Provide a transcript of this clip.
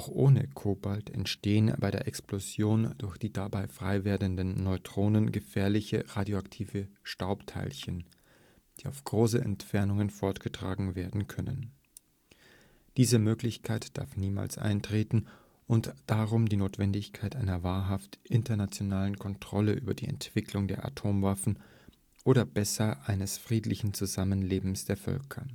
ohne Cobalt entstehen bei der Explosion durch die dabei freiwerdenden Neutronen gefährliche radioaktive Staubteilchen, die auf große Entfernungen fortgetragen werden können. Diese Möglichkeit darf niemals eintreten, und darum die Notwendigkeit einer wahrhaft internationalen Kontrolle über die Entwicklung der Atomwaffen, oder besser eines friedlichen Zusammenlebens der Völker